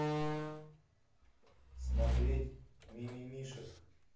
смотреть мимимишек